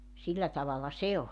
sillä tavalla se oli